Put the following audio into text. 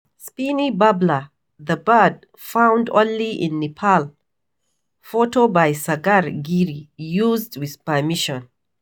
Spiny Babbler, the bird found only in Nepal. Photo by Sagar Giri. Used with permission.